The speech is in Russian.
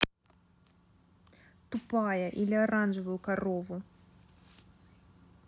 тупая или оранжевую корову